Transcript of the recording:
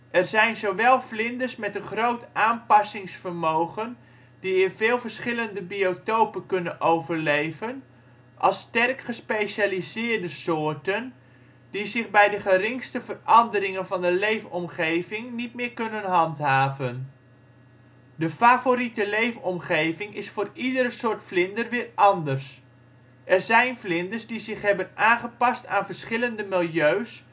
zijn zowel vlinders met een groot aanpassingsvermogen die in veel verschillende biotopen kunnen overleven, als sterk gespecialiseerde soorten die zich bij de geringste veranderingen van de leefomgeving niet meer kunnen handhaven. De favoriete leefomgeving is voor iedere soort vlinder weer anders. Er zijn vlinders die zich hebben aangepast aan verschillende milieus